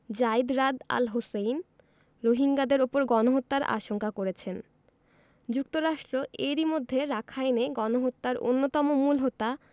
Zeid Raad Al Hussein রোহিঙ্গাদের ওপর গণহত্যার আশঙ্কা করেছেন যুক্তরাষ্ট্র এরই মধ্যে রাখাইনে গণহত্যার অন্যতম মূল হোতা